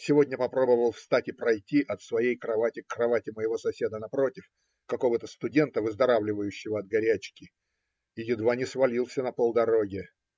Сегодня попробовал встать и пройти от своей кровати к кровати моего соседа напротив, какого-то студента, выздоравливающего от горячки, и едва не свалился на полдороге.